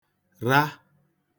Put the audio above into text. ra